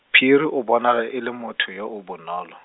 Phiri o bonala e le motho yo o bonolo.